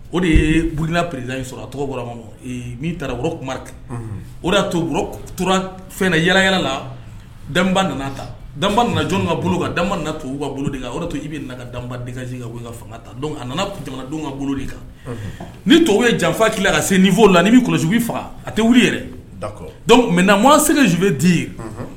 O de yeina pere sɔrɔ a tɔgɔ' taara o' to tora fɛn yɛlɛkɛ la daba nana ta dabaj ka bolo kan da to ka bolo kan to i bɛ daba ka ka fanga ta a nana jamanadenw ka bolo de kan ni to ye janfa' la ka se nin fɔ la n'i kɔlɔsibi faga a tɛ wuli yɛrɛ mɛ namase bɛ di ye